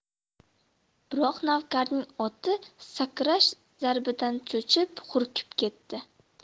biroq navkarning oti sakrash zarbidan cho'chib hurkib ketdi